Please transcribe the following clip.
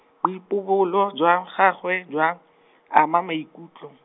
boipobolo jwa gagwe jwa, ama maikutlo.